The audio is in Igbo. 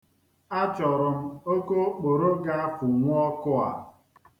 Achọrọ m okokporo ga-afụnwụ ọkụ a.